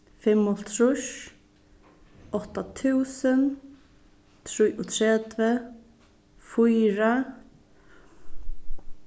fimmoghálvtrýss átta túsund trýogtretivu fýra